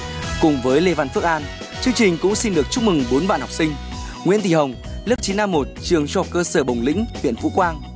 cùng với lê văn phước an chương trình cũng xin được chúc mừng bốn bạn học sinh nguyễn thị hồng lớp chín a một trường trung học cơ sở bổng lĩnh huyện thú quang